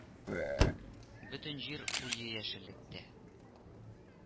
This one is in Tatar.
Бөтен җир куе яшеллектә